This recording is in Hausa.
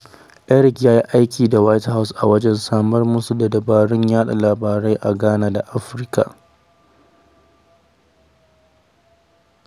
Erik ya yi aiki da White House wajen samar musu da dabarun yaɗa labarai a Ghana da Afirka.